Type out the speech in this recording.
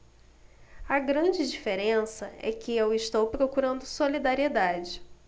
a grande diferença é que eu estou procurando solidariedade